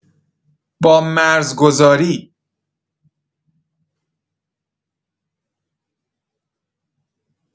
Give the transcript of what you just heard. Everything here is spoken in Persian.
با مرزگذاری